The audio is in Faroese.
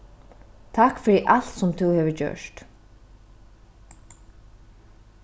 takk fyri alt sum tú hevur gjørt